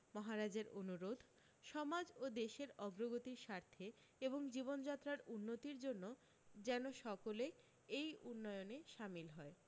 মহারাজের অনুরোধ সমাজ ও দেশের অগ্রগতির স্বার্থে এবং জীবনযাত্রার উন্নতির জন্য যেন সকলে এই উন্নয়নে শামিল হয়